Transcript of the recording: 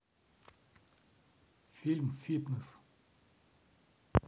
фильм фитнес